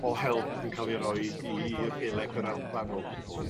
o help yn ca'l ei roed i- i- i'r Gaeleg yr Alban o gwbwl.